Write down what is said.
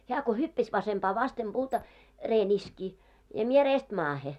hän kun hyppäsi vasempaan vasten puuta reen iski ja minä reestä maahan